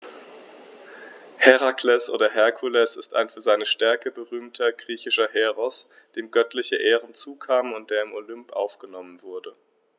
Herakles oder Herkules ist ein für seine Stärke berühmter griechischer Heros, dem göttliche Ehren zukamen und der in den Olymp aufgenommen wurde.